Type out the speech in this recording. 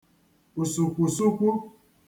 ùsùkwùsukwu